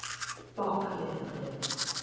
Пакь йөрәкле.